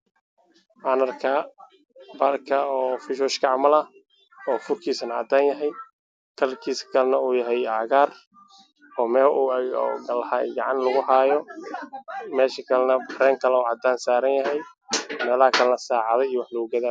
Waa meel dukaan waxaa lagu iibinayaa kareen nin ayaa gacanta ku haya kareen midabkiisu yahay cagaar dhalo ee ka hooseyso